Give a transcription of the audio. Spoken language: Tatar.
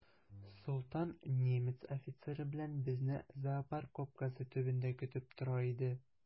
Солтан немец офицеры белән безне зоопарк капкасы төбендә көтеп тора иде.